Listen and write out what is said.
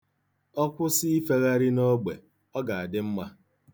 Ọ kwụsị ifeghari n'ogbe, ọ ga-adị mma.